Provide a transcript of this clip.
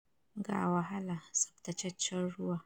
Ga wahala tsabtataccen Ruwa.”